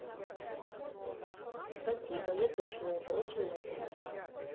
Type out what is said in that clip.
спасибо я тоже на это очень надеюсь